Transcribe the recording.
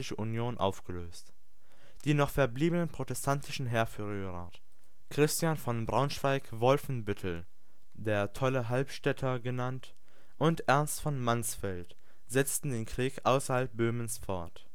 Union aufgelöst. Herzog Christian von Braunschweig-Wolfenbüttel, Gemälde von Paulus Moreelse, 1619 Die noch verbliebenen protestantischen Heerführer Christian von Braunschweig-Wolfenbüttel, der „ tolle Halberstädter “genannt, und Ernst von Mansfeld setzten den Krieg außerhalb Böhmens fort